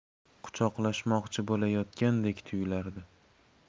quchoqlamoqchi bolayotgandek tuyulardi